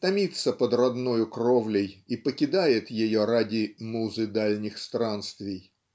томится под родною кровлей и покидает ее ради "Музы Дальних Странствий".